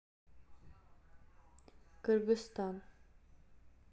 кыргызстан